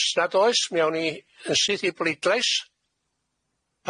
Os nad oes, mi awn ni yn syth i'r bleidlais.